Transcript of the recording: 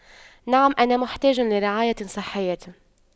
نعم انا محتاج لرعاية صحية